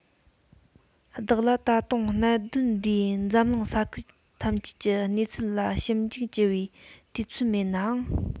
བདག ལ ད དུང གནད དོན འདིའི འཛམ གླིང ས ཁུལ ཐམས ཅད ཀྱི གནས ཚུལ ལ ཞིབ འཇུག བགྱི བའི དུས ཚོད མེད ནའང